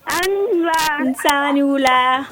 An niuran sa wula